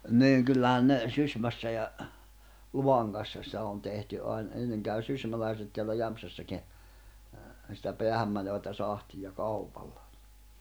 niin kyllähän ne Sysmässä ja Luhangassa sitä on tehty aina ennen kävi sysmäläiset täällä Jämsässäkin sitä päähänmenevää sahtia kaupalla